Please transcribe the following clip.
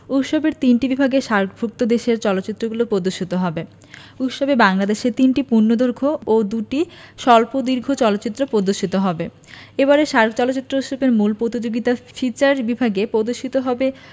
উৎসবের তিনটি বিভাগে সার্কভুক্ত দেশের চলচ্চিত্রগুলো প্রদর্শিত হবে উৎসবে বাংলাদেশের ৩টি পূর্ণদৈর্ঘ্য ও ২টি স্বল্পদৈর্ঘ্য চলচ্চিত্র প্রদর্শিত হবে এবারের সার্ক চলচ্চিত্র উৎসবের মূল প্রতিযোগিতা ফিচার বিভাগে প্রদর্শিত হবে